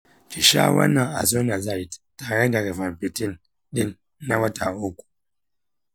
ki sha wannan isoniazid tare da rifapentine ɗin na wata uku